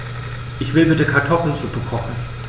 Ich will bitte Kartoffelsuppe kochen.